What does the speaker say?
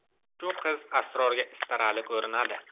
shu qiz asrorga istarali ko'rinadi